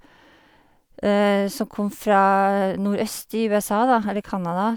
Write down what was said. Som kom fra nordøst i USA, da, eller Canada.